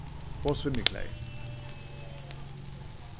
og svimjiklæði